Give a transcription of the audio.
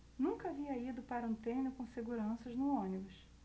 nunca havia ido para um treino com seguranças no ônibus